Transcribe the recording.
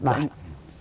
nei.